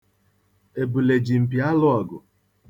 Ebule ji mpi alụ ọgụ.